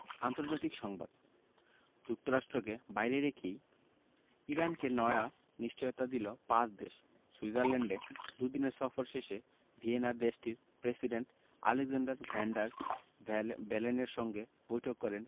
আন্তর্জাতিক সংবাদ যুক্তরাষ্ট্রকে বাইরে রেখেই ইরানকে নয়া নিশ্চয়তা দিল পাঁচ দেশ সুইজারল্যান্ডে দুদিনের সফর শেষে ভিয়েনায় দেশটির প্রেসিডেন্ট আলেক্সান্ডার ভ্যান ডার বে বেলেনের সঙ্গে বৈঠক করেন